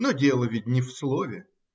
но дело ведь не в слове.